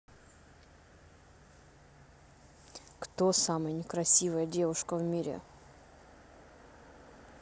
кто самая некрасивая девушка в мире